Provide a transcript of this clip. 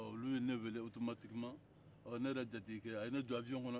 olu ye ne wele otomatikiman ne yɛrɛ jatigikɛ a ye ne don awiyɔn kɔnɔ